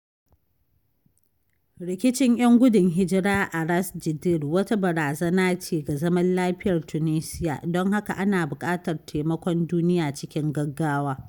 rikicin 'yan gudun hijira a ras jdir wata barazana ce ga zaman lafiyar Tunusia, don haka ana buƙatar taimakon duniya cikin gaggawa.